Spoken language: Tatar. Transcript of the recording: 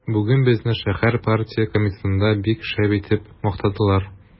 Бүген безне шәһәр партия комитетында бик шәп итеп мактадылар.